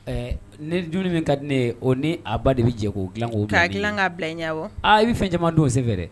Ɛɛ ni dumuni min ka di ne ye, o ni a ba de bɛ jɛ k'o dilan k'a bila n ɲɛ, wa i bɛ fɛn jama don o sen fɛ dɛ!